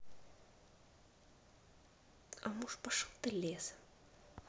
а муж пошел ты лесом